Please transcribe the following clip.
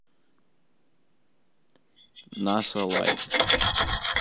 наса лайф